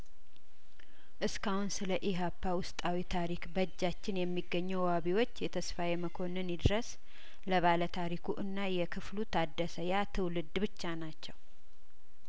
እስካሁን ስለኢሀፓ ውስጣዊ ታሪክ በእጃችን የሚገኘው ዋቢዎች የተስፋዬ መኮንን ይድረስ ለባለታሪኩ እና የክፍሉ ታደሰ ያትውልድ ብቻ ናቸው